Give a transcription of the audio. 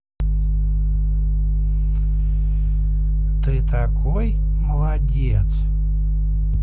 ты такой молодец